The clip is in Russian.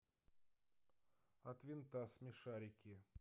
от винта смешарики